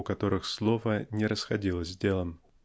у которых слово не расходилось с делом.